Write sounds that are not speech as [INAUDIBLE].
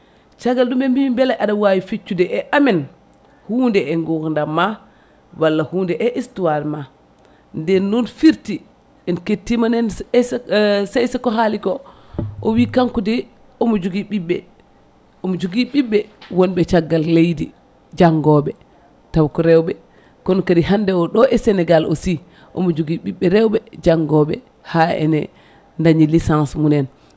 caggal ɗum ɓe mbi beele aɗa wawi feccude e amen hunde e gurdam ma walla hunde e histoire ma nden noon fiirti en kettima nen [HESITATION] Seysa ko haali ko o wi kanko de omo jogui ɓiɓɓe omo jogui ɓiɓɓe wonɓe caggal leydi janggoɓe taw ko rewɓe kono kadi hande o ɗo e Sénégal aussi omo jogui ɓiɓɓe rewɓe janggoɓe ha ene dañi licence mumen